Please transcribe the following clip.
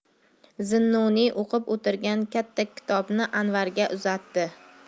zunnuniy o'qib o'tirgan katta kitobni anvarga uzatdi